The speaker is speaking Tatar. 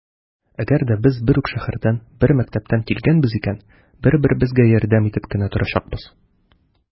Әгәр дә без бер үк шәһәрдән, бер мәктәптән килгәнбез икән, бер-беребезгә ярдәм итеп кенә торачакбыз.